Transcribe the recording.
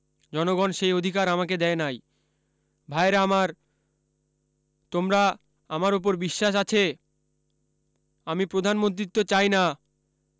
জনগণ সেই অধিকার আমাকে দেয় নাই ভায়েরা আমার তোমরা আমার উপর বিশ্বাস আছে আমি প্রধানমন্ত্রিত্ব চাই না